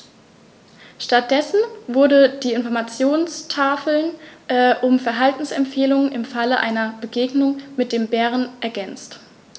Stattdessen wurden die Informationstafeln um Verhaltensempfehlungen im Falle einer Begegnung mit dem Bären ergänzt.